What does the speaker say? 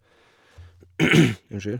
Unnskyld.